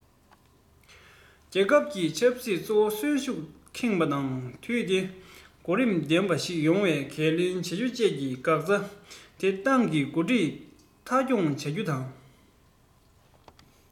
རྒྱལ ཁབ ཀྱི ཆབ སྲིད འཚོ བ གསོན ཤུགས ཀྱིས ཁེངས པ དང དུས བདེ གོ རིམ ལྡན པ ཞིག ཡོང བའི འགན ལེན བྱ རྒྱུ བཅས ཀྱི འགག རྩ དེ ཏང གི འགོ ཁྲིད མཐའ འཁྱོངས བྱ རྒྱུ དང